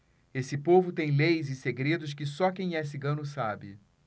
esse povo tem leis e segredos que só quem é cigano sabe